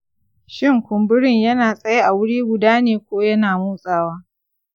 shin kumburin yana tsaye a wuri guda ne ko yana motsawa?